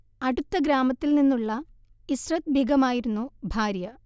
അടുത്ത ഗ്രാമത്തിൽ നിന്നുള്ള ഇശ്റത് ബീഗമായിരുന്നു ഭാര്യ